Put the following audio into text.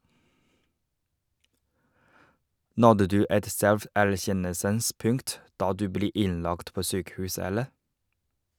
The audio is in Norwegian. - Nådde du et selverkjennelsens punkt da du ble innlagt på sykehus, eller?